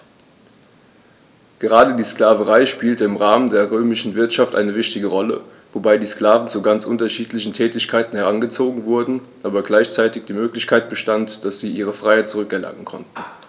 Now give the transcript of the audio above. Gerade die Sklaverei spielte im Rahmen der römischen Wirtschaft eine wichtige Rolle, wobei die Sklaven zu ganz unterschiedlichen Tätigkeiten herangezogen wurden, aber gleichzeitig die Möglichkeit bestand, dass sie ihre Freiheit zurück erlangen konnten.